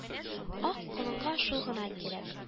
Ак колынга шул гына кирәк